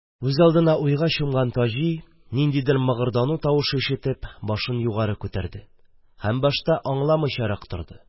Үз алдына нинддер уйга чумган Таҗи, ниндидер мыгырдану тавышы ишетеп, башын югары күтәрде һәм башта аңламыйчарак торды